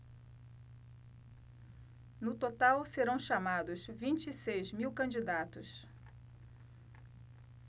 no total serão chamados vinte e seis mil candidatos